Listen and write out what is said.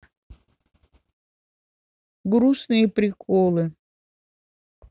грустные приколы